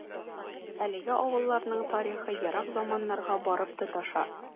Әлеге авылларның тарихы ерак заманнарга барып тоташа.